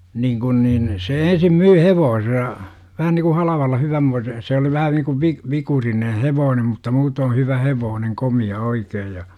niin kun niin se ensin myi hevosensa vähän niin kuin halvalla hyvänmoisen se oli vähän niin kuin - vikurinen hevonen mutta muuten hyvä hevonen komea oikein ja